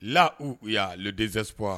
La u u' ds